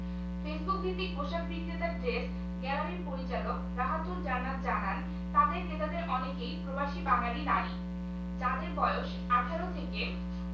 ফেসবুকভিত্তিক পোশাক বিক্রেতা ড্রেস গ্যালারির পরিচালকরাহাতুল জান্নাত জানান তাঁদের ক্রেতাদের অনেকেই প্রবাসী বাঙালি নারী যাঁদের বয়স ১৮ থেকে